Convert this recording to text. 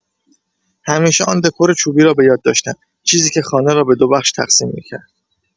همیشه آن دکور چوبی را بۀاد داشتم، چیزی که خانه را به دوبخش تقسیم می‌کرد.